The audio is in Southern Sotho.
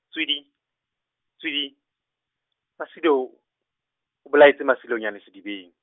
tswidi, tswidi, Masilo, o bolaetse Masilonyane sedibeng.